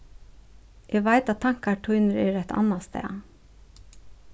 eg veit at tankar tínir eru eitt annað stað